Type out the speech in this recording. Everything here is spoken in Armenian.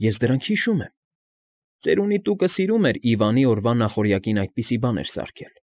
Ես դրանք հիշում եմ։ Ծերունի Տուկը սիրում էր Իվանի օրվա նախօրյակին այդպիսի բաներ սարքել։